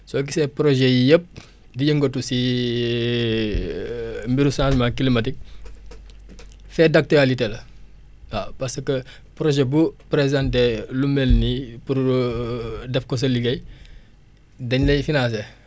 soo gisee projets yii yëpp di yëngatu si mbiru changement climatique fait d' actualité la waaw parce que projet bu présenté lu mel nii pour def ko sa liggéey dañ lay financer